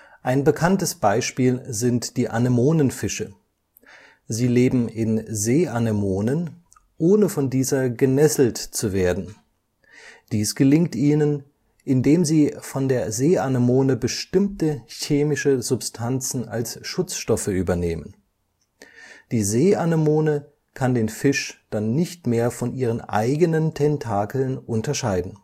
Ein bekanntes Beispiel sind die Anemonenfische: Sie leben in Seeanemonen, ohne von dieser genesselt zu werden. Dies gelingt ihnen, indem sie von der Seeanemone bestimmte chemische Substanzen als Schutzstoffe übernehmen. Die Seeanemone kann den Fisch dann nicht mehr von ihren eigenen Tentakeln unterscheiden